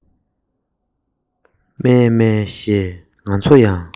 མཱེ མཱེ ཞེས ང ཚོ ཡང